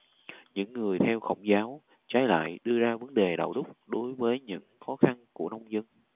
những người theo khổng giáo trái lại đưa ra vấn đề đạo đức đối với những khó khăn của nông dân